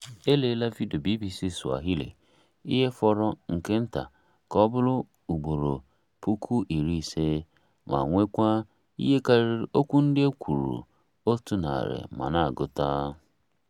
E leela vidio BBC Swahili ihe fọrọ nke nta ka ọ bụrụ ugboro 50,000 ma nwee kwa ihe karịrị okwu ndị e kwuru 100 ma na-agụta.